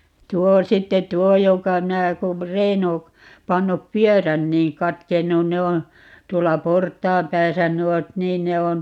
tuo sitten tuo joka minä kun Reino pannut pyörän niin katkennut ne on tuolla portaan päässä nuo niin ne on